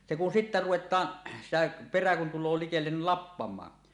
se kun sitten ruvetaan sitä perä kun tulee likelle niin lappamaan